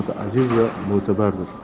qimmati aziz va mo'tabardir